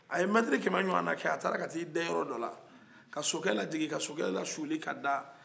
a ye mɛtiri kɛmɛ jɔɔn na kɛ a taara ka t'i da yɔrɔ dɔ la ka sokɛ lajigi ka sokɛ lasuli ka da